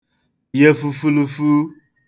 ye fufulufuu